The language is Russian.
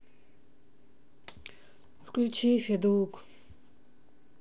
включи федук